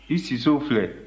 i siso filɛ